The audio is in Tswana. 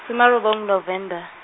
some a robong November.